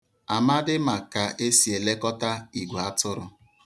Amadị ma ka esi elekọta igweatụrụ.